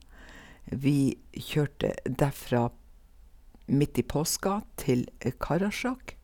Vi kjørte derfra midt i påska, til Karasjok.